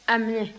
a minɛ